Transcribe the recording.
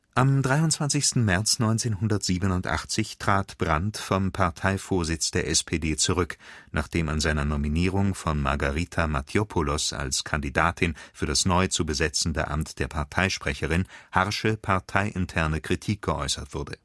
Am 23. März 1987 trat Brandt vom Parteivorsitz der SPD zurück, nachdem an seiner Nominierung von Margarita Mathiopoulos als Kandidatin für das neu zu besetzende Amt der Parteisprecherin harsche parteiinterne Kritik geäußert wurde